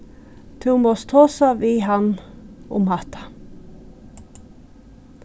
tú mást tosa við hann um hatta